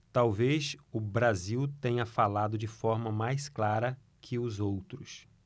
talvez o brasil tenha falado de forma mais clara que os outros